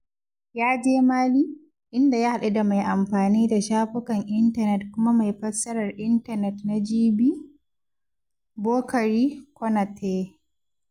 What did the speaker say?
Ya je Mali, inda ya haɗu da mai amfani da shafukan intanet kuma mai fassarar intanet na GV, Boukary Konaté.